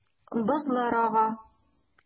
Бозлар ага.